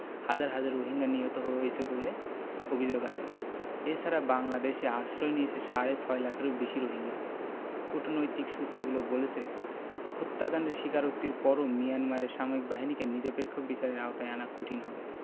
হাজার হাজার রোহিঙ্গা নিহত হয়েছে বলে অভিযোগ আছে এ ছাড়া বাংলাদেশে আশ্রয় নিয়েছে সাড়ে ছয় লাখেরও বেশি রোহিঙ্গা কূটনৈতিক সূত্রগুলো বলছে হত্যাকাণ্ডের স্বীকারোক্তির পরও মিয়ানমারের সামরিক বাহিনীকে নিরপেক্ষ বিচারের আওতায় আনা কঠিন হবে